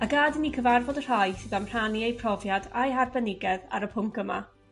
A gad i ni cyfarfod y rhai sydd am rhannu eu profiad a'u harbenigedd ar y pwnc yma.